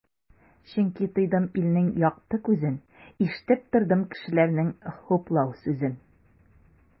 Чөнки тойдым илнең якты күзен, ишетеп тордым кешеләрнең хуплау сүзен.